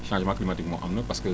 changement cliamatique am na parce que